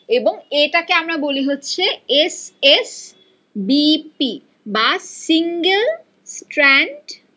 এটাকে আমরা বলি হচ্ছে এস এস বি পি বাস সিঙ্গল স্ট্র্যান্ড সিঙ্গল স্ট্র্যান্ড